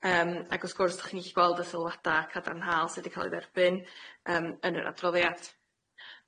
Yym ag wrth gwrs da chi'n gallu gweld y sylwada cadarnhaol sydd wedi ca'l ei dderbyn yym yn yr adroddiad.